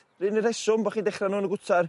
R'un reswm bo' chi'n dechra' nhw yn y gwtar?